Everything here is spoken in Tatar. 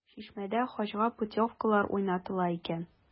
“чишмә”дә хаҗга путевкалар уйнатыла икән.